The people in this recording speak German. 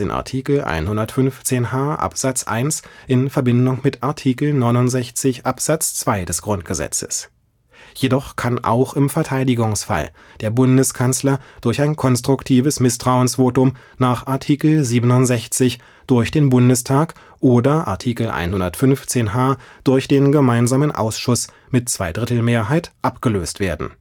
Artikel 115 h Absatz 1 in Verbindung mit Artikel 69 Absatz 2 des Grundgesetzes). Jedoch kann auch im Verteidigungsfall der Bundeskanzler durch ein konstruktives Misstrauensvotum nach Artikel 67 (durch den Bundestag) oder 115 h (durch den Gemeinsamen Ausschuss mit Zweidrittelmehrheit) abgelöst werden